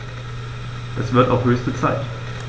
Das wird auch höchste Zeit!